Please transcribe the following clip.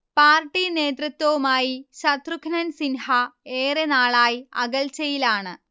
party നേതൃത്വവുമായി ശത്രുഘ്നൻ സിൻഹ ഏറെ നാളായി അകൽച്ചയിലാണ്